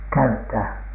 käyttää